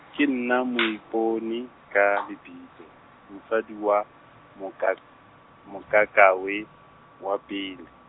ke nna Moiponi ka lebitso, mosadi wa Moka- Mokakawe wa pele.